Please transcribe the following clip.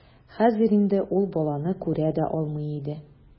Хәзер инде ул баланы күрә дә алмый иде.